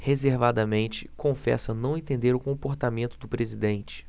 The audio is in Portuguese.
reservadamente confessa não entender o comportamento do presidente